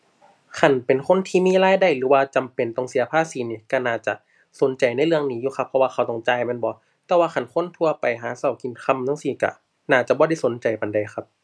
คันเป็นคนที่มีรายได้หรือว่าจำเป็นที่เสียภาษีนี้ ก็น่าจะสนใจในเรื่องนี้อยู่ครับ เพราะว่าเขาต้องจ่ายแม่นบ่ แต่ว่าคันคนทั่วไปหาก็กินค่ำจั่งซี้ก็น่าจะบ่ได้สนใจปานใดครับ